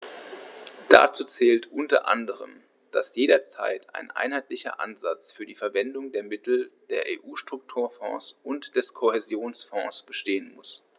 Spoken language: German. Dazu zählt u. a., dass jederzeit ein einheitlicher Ansatz für die Verwendung der Mittel der EU-Strukturfonds und des Kohäsionsfonds bestehen muss.